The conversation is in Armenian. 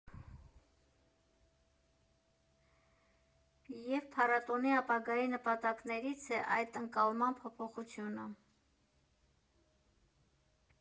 Եվ փառատոնի ապագայի նպատակներից է այդ ընկալման փոփոխությունը։